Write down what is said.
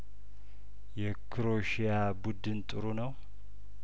የክሮኤሽያ ቡድን ጥሩ ነው